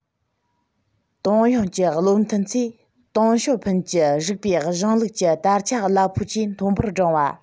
ཏང ཡོངས ཀྱི བློ མཐུན ཚོས ཏེང ཞའོ ཕིན གྱི རིགས པའི གཞུང ལུགས ཀྱི དར ཆ རླབས པོ ཆེ མཐོན པོར བསྒྲེངས བ